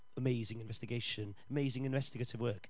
Amazing investigation, amazing investigative work.